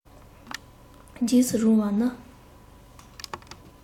འཇིགས སུ རུང བ ནི